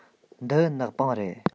འདི ནག པང རེད